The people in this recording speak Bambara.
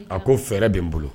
A ko fɛɛrɛ bɛ n bolo